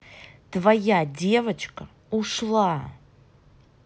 твоя девочка ушла